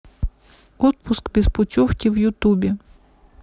отпуск без путевки в ютубе